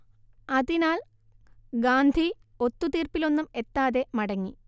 അതിനാൽ ഗാന്ധി ഒത്തുതീർപ്പിലൊന്നും എത്താതെ മടങ്ങി